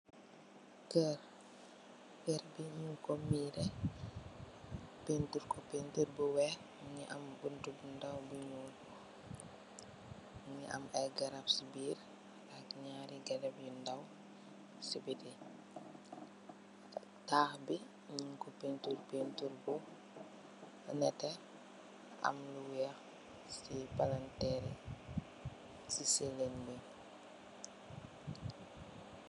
Keur, keur bi ñunko miire, pentir ko pentir bu weex, mingi am buntu bu ndaw bu ñul. Mungi am ay garapp si birr, ak nyarri garab yu ndaw si biti. Tax bi nyunko pentirr pentirr bu nete, am yu weex si palenterr yi, si ciling bi.